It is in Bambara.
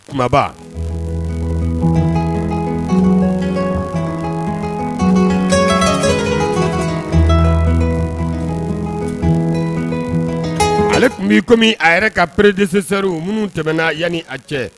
Kubaba, ale tun b'i komi a yɛrɛ ka prédécésseurs minnu tɛmɛna yani a cɛ